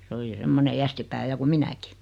se oli semmoinen jästipää ja kuin minäkin